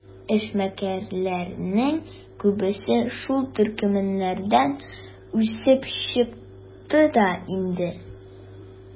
Эшмәкәрләрнең күбесе шул төркемнәрдән үсеп чыкты да инде.